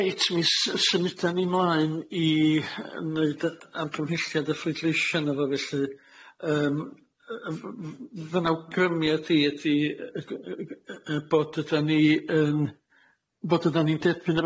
Reit mi s- yy symudan ni mlaen i yy neud yy amgymhelliad y ffleision yfo felly yym yy f- f- f- fynawgrymiad i ydi yy g- y- y- y- y- y- bod ydan ni yn bod ydan ni'n derbyn yr